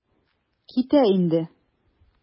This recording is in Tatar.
Китә инде.